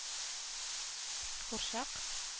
Курчак